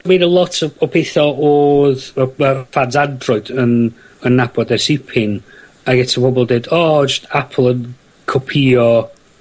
...mae 'na lot o o petha odd wy- ar plans Android yn yn nabod ers tipyn. Ag eto bobol deud o jyst Apple yn copïo